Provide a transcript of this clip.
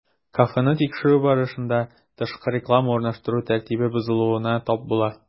Кафены тикшерү барышында, тышкы реклама урнаштыру тәртибе бозылуына тап була.